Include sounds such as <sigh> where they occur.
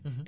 <hesitation> <hesitation>